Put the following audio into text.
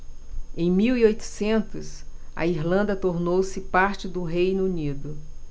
em mil e oitocentos a irlanda tornou-se parte do reino unido